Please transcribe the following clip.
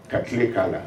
Ka tile k'a la